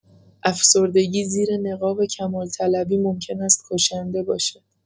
افسردگی زیر نقاب کمال‌طلبی ممکن است کشنده باشد.